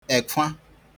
èkfwa